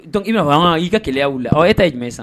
Dɔnku i b'a fɔ an ka i ka kɛlɛya wili aw e tɛ ye jumɛn san